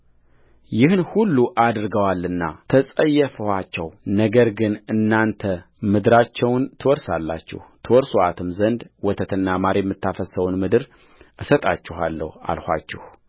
ይህን ሁሉ አድርገዋልና ተጸየፍኋቸውነገር ግን እናንተን ምድራቸውን ትወርሳላችሁ ትወርሱአትም ዘንድ ወተትና ማር የምታፈስሰውን ምድር እሰጣችኋለሁ አልኋችሁ